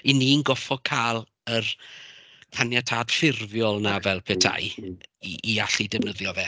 'Y ni'n gorfod cael yr caniatâd ffurfiol 'na fel petai... m-hm m-hm. ...i allu defnyddio fe.